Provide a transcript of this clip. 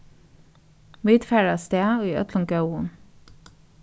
vit fara avstað í øllum góðum